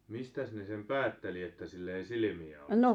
mistäs ne sen päätteli että sillä ei silmiä olisi